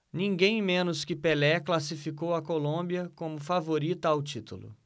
ninguém menos que pelé classificou a colômbia como favorita ao título